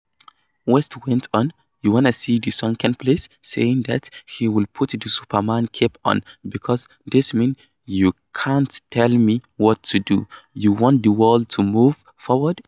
West went on: "You wanna see the sunken place?" saying that he would "put my superman cape on, because this means you can't tell me what to do. You want the world to move forward?